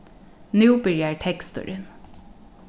nú byrjar teksturin